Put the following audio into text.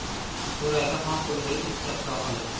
so'raydi xonqulibek istehzo qilib